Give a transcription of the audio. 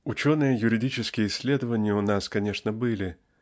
Ученые юридические исследования у нас конечно были